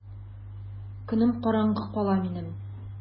Көнем караңгы кала минем!